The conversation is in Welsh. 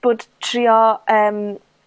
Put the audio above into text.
bod trio yym